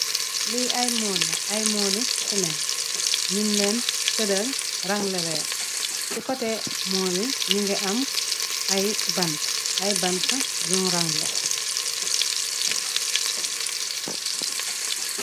Li ay mool la , ay mooli simen. Ñing lèèn tedal ranleh lèèn, ci koteh mool yi ñu ngi ameh ay bant, ay bant yun ranleh.